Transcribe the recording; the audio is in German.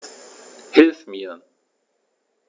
Hilf mir!